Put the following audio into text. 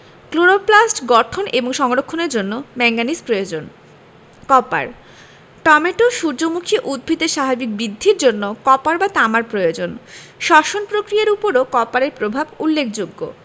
chloroplast গঠন ও সংরক্ষণের জন্য ম্যাংগানিজ প্রয়োজন কপার টমেটো সূর্যমুখী উদ্ভিদের স্বাভাবিক বৃদ্ধির জন্য কপার বা তামার প্রয়োজন শ্বসন পক্রিয়ার উপরও কপারের প্রভাব উল্লেখযোগ্য